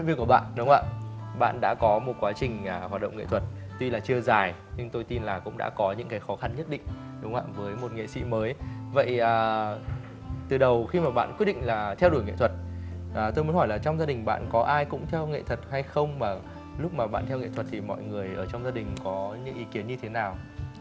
viên của bạn đúng không ạ bạn đã có một quá trình hoạt động nghệ thuật tuy là chưa dài nhưng tôi tin là cũng đã có những cái khó khăn nhất định đối với một nghệ sĩ mới vậy ờ từ đầu khi mà bạn quyết định là theo đuổi nghệ thuật là tôi muốn hỏi là trong gia đình bạn có ai cũng theo nghệ thuật hay không và lúc mà bạn theo nghệ thuật thì mọi người ở trong gia đình có những ý kiến như thế nào